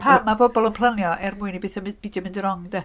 Pam ma' pobl yn planio, er mwyn i betha my- beidio mynd yn wrong de.